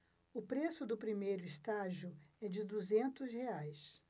o preço do primeiro estágio é de duzentos reais